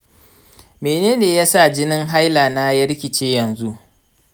mene yasa jinin haila na ya rikice yanzu?